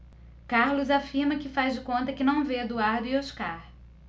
carlos afirma que faz de conta que não vê eduardo e oscar